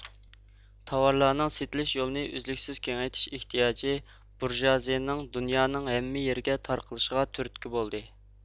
تاۋارلارنىڭ سېتىلىش يولىنى ئۈزلۈكسىز كېڭەيتىش ئېھتىياجى بۇرژۇئازىيىنىڭ دۇنيانىڭ ھەممە يېرىگە تارقىلىشىغا تۈرتكە بولدى